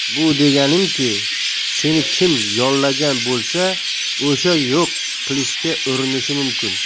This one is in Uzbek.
bu deganimki seni kim yollagan bo'lsa o'sha yo'q qilishga urinishi mumkin